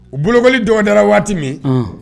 U bololi dɔwdara waati min